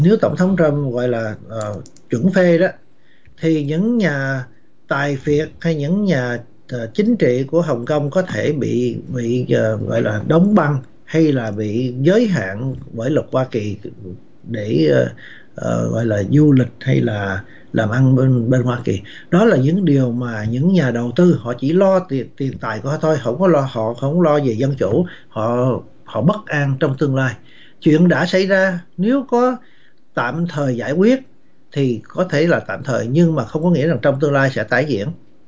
nếu tổng thống trăm gọi là chuẩn phê đó thì những nhà tài phiệt hay những nhà ờ chính trị của hồng công có thể bị mỹ giờ ở đoạn đóng băng hay là bị giới hạn bởi luật hoa kỳ để ờ ờ gọi là du lịch hay là làm ăn bên bên hoa kỳ đó là những điều mà những nhà đầu tư họ chỉ lo tiền tiền tài của họ hổng có là họ không lo về dân chủ họ họ bất an trong tương lai chuyện đã xảy ra nếu có tạm thời giải quyết thì có thể là tạm thời nhưng mà không có nghĩa rằng trong tương lai sẽ tái diễn